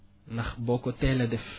ndax boo ko teelee def